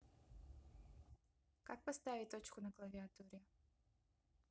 как поставить точку на клавиатуре